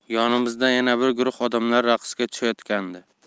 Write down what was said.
yonimizda yana bir guruh odamlar raqsga tushayotgandi